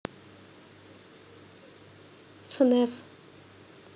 fnaf